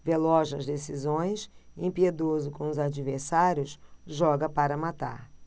veloz nas decisões impiedoso com os adversários joga para matar